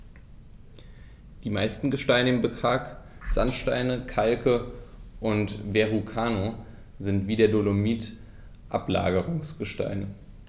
Die meisten Gesteine im Park – Sandsteine, Kalke und Verrucano – sind wie der Dolomit Ablagerungsgesteine.